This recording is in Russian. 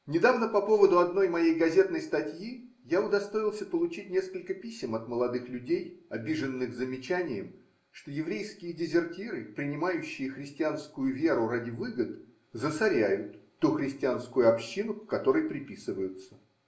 Недавно по поводу одной моей газетной статьи я удостоился получить несколько писем от молодых людей, обиженных замечанием, что еврейские дезертиры, принимающие христианскую веру ради выгод, засоряют ту христианскую общину, к которой приписываются.